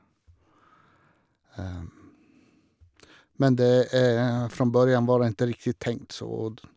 Men det fra början var det ikke riktig tenkt så dn.